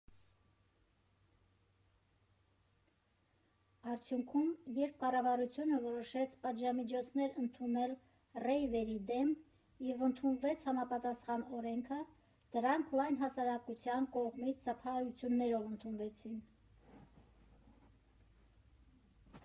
Արդյունքում, երբ կառավարությունը որոշեց պատժամիջոցներ ընդունել ռեյվերի դեմ և ընդունվեց համապատասխան օրենքը, դրանք լայն հասարակության կողմից ծափահարություններով ընդունվեցին։